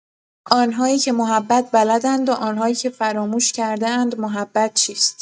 آن‌هایی که محبت بلدند و آن‌هایی که فراموش کرده‌اند محبت چیست.